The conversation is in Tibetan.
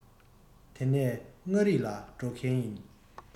དེ ནས མངའ རིས ལ འགྲོ གི ཡིན